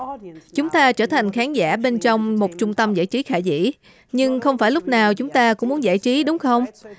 chúng ta trở thành khán giả bên trong một trung tâm giải trí khả dĩ nhưng không phải lúc nào chúng ta cũng muốn giải trí đúng không